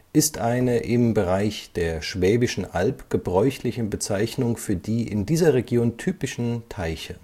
ist eine im Bereich der Schwäbischen Alb gebräuchliche Bezeichnung für die in dieser Region typischen Teiche